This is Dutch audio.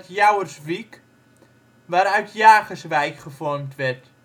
Jauwerswiek, waaruit Jagerswijk gevormd werd